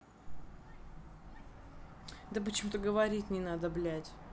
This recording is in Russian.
да почему то говорить не надо блять